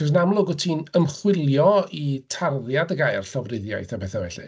'Chos yn amlwg ti'n ymchwilio i tarddiad y gair llofruddiaeth a petha felly.